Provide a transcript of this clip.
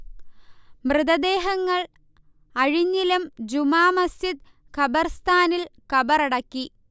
മൃതദേഹങ്ങൾ അഴിഞ്ഞിലം ജുമാ മസ്ജിദ് കബർസ്ഥാനിൽ കബറടക്കി